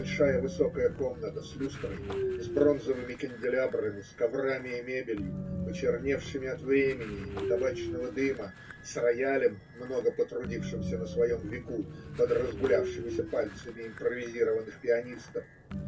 большая высокая комната с люстрой, с бронзовыми канделябрами, с коврами и мебелью, почерневшими от времени и табачного дыма, с роялем, много потрудившимся на своем веку под разгулявшимися пальцами импровизированных пианистов